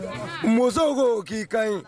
Musow ko k'i ka ɲi